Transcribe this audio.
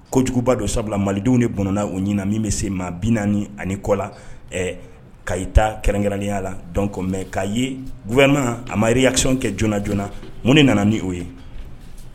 Ko kojuguba dɔ sabula malidenw de bɔnna o ɲin min bɛ se ma bin naani ani kɔ la ka i ta kɛrɛnkɛrɛnnenya la dɔn mɛ k'a ye guna a mare yasiw kɛ joonana joonana mun de nana ni o ye